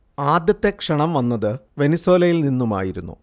ആദ്യത്തെ ക്ഷണം വന്നത് വെനിസ്വേലയിൽ നിന്നുമായിരുന്നു